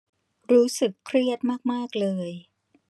รู้สึกเครียดมากมากเลย